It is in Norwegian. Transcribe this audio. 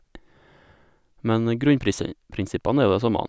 Men grunnpris prinsippene er jo de samme.